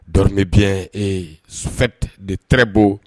Dɔ de bɛ sufɛ de tarawelebo